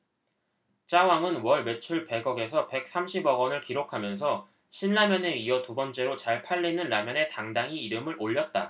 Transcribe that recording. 짜왕은 월 매출 백 억 에서 백 삼십 억원을 기록하면서 신라면에 이어 두번째로 잘 팔리는 라면에 당당히 이름을 올렸다